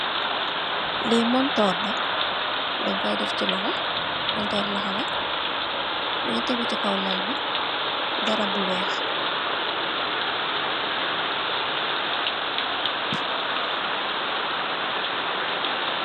Li Montorr la dën koy def ci loho. Montorr loho la mungi tégu ci kaw la bi, darap bu weeh .